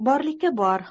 borlikka bor